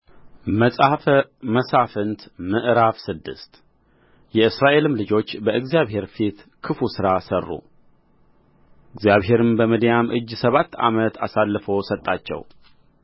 መጽሐፈ መሣፍንት ምዕራፍ ስድስት የእስራኤልም ልጆች በእግዚአብሔር ፊት ክፉ ሥራ ሠሩ እግዚአብሔርም በምድያም እጅ ሰባት ዓመት አሳልፎ ሰጣቸው